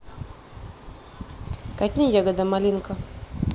катни ягода малинка